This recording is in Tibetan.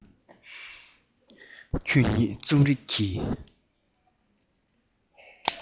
ཁྱོད ཉིད རྩོམ རིག གི